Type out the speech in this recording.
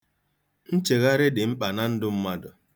Nchegharị dị mkpa na ndụ mmadụ.